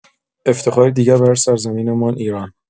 افتخاری دیگر برای سرزمین‌مان ایران!